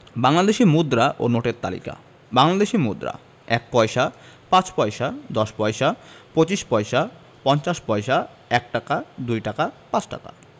বাংলাদেশি মুদ্রা ও নোটের তালিকাঃ বাংলাদেশি মুদ্রাঃ ১ পয়সা ৫ পয়সা ১০ পয়সা ২৫ পয়সা ৫০ পয়সা ১ টাকা ২ টাকা ৫ টাকা